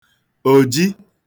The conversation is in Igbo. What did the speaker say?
òji